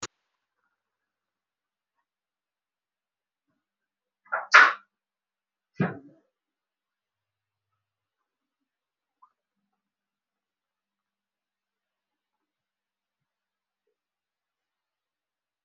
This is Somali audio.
Meeshan waxaa yeelay roog midabkiisa yahay bluug caddaan waxa uu saaran yahay munthuleel cadaan ah